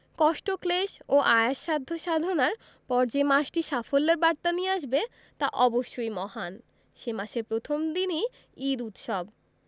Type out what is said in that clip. কষ্টক্লেশ ও আয়াস সাধ্য সাধনার পর যে মাসটি সাফল্যের বার্তা নিয়ে আসবে তা অবশ্যই মহান সে মাসের প্রথম দিনই ঈদ উৎসব